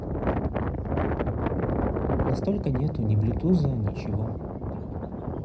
на столько нету ни блютуза ничего